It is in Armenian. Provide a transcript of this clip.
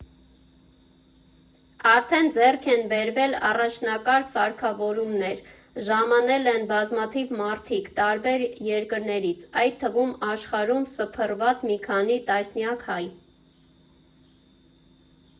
Արդեն ձեռք են բերվել առաջնակարգ սարքավորումներ, ժամանել են բազմաթիվ մարդիկ տարբեր երկրներից՝ այդ թվում աշխարհում սփռված մի քանի տասնյակ հայ.